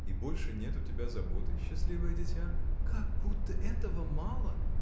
— И больше нет у тебя заботы, счастливое дитя? — Как будто этого мало!